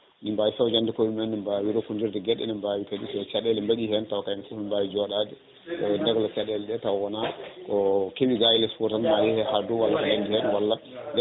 ne mbawi fewjande koyemumen ne mbwai resnodirde gueɗe ene mbawi kadi so caɗele mbaɗi tan tawa kamɓe ɓe mbawi joɗade ɓe degla caɗele ɗe taw wona ko keewi gua e less fo tan ma yeehe ha dow walla ko nandi hen walla